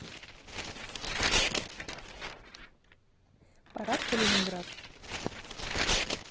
парад калининград